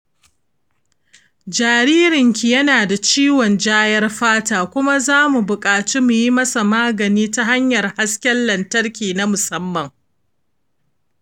jaririnki yana da ciwon jayar fata kuma za mu buƙaci mu yi masa magani ta hanyar hasken lantarki na musamman